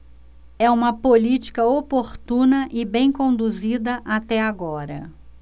é uma política oportuna e bem conduzida até agora